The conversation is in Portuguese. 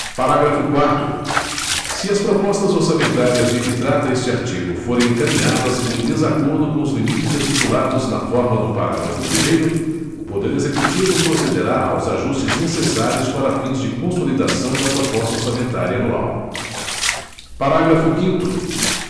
parágrafo quarto se as propostas orçamentárias de que trata este artigo forem encaminhadas em desacordo com os limites estipulados na forma do parágrafo primeiro o poder executivo procederá aos ajustes necessários para fins de consolidação da proposta orçamentária anual parágrafo quinto